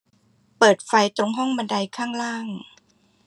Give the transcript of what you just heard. เปิดไฟตรงห้องบันไดข้างล่าง